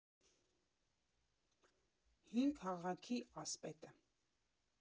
Հին քաղաքի ասպետը։